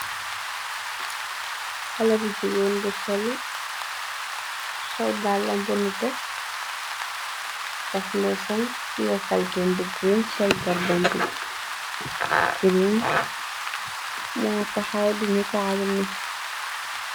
Xale bu jigeen gu sol, dàllambuna te, daf meesam, gie talpin bu green, sol garbon bi green, moo taxaw dimita arr ni.